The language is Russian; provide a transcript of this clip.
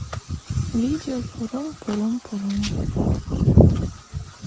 видео пурум пурум пурум